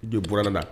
I don i buran nan la.